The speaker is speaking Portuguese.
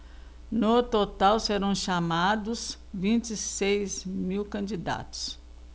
no total serão chamados vinte e seis mil candidatos